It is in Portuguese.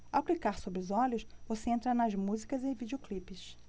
ao clicar sobre os olhos você entra nas músicas e videoclipes